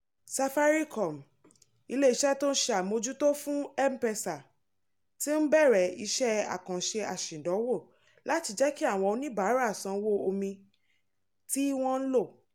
Safaricom, ilé-iṣẹ́ tí ó ń ṣe àmójútó fún M-Pesa, ti ń bẹ̀rẹ̀ iṣẹ́ àkànṣe aṣèdánwò láti jẹ́ kí àwọn oníbàárà sanwó omi tí wọ́n ń lò.